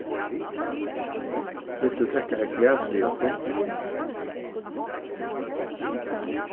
vilt tú drekka eitt glas við okkum